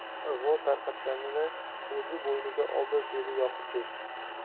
ig'vo tarqatganini o'zi bo'yniga oldi dedi yoqubbek